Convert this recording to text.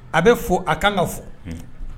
A bɛ fɔ a kan ka fɔ